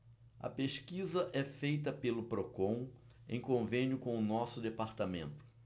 a pesquisa é feita pelo procon em convênio com o diese